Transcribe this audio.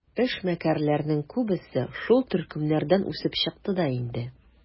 Эшмәкәрләрнең күбесе шул төркемнәрдән үсеп чыкты да инде.